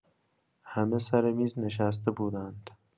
همه سر میز نشسته بودند.